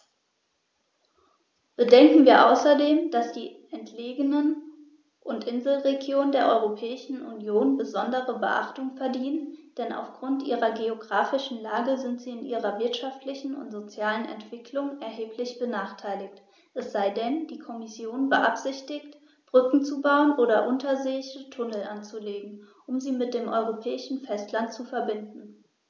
Bedenken wir außerdem, dass die entlegenen und Inselregionen der Europäischen Union besondere Beachtung verdienen, denn auf Grund ihrer geographischen Lage sind sie in ihrer wirtschaftlichen und sozialen Entwicklung erheblich benachteiligt - es sei denn, die Kommission beabsichtigt, Brücken zu bauen oder unterseeische Tunnel anzulegen, um sie mit dem europäischen Festland zu verbinden.